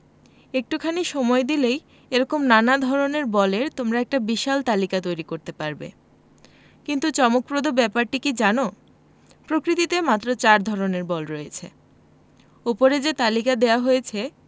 একটুখানি সময় দিলেই এ রকম নানা ধরনের বলের তোমরা একটা বিশাল তালিকা তৈরি করতে পারবে কিন্তু চমকপ্রদ ব্যাপারটি কী জানো প্রকৃতিতে মাত্র চার ধরনের বল রয়েছে ওপরে যে তালিকা দেওয়া হয়েছে